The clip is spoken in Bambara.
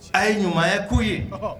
A ye ɲumanya ko ye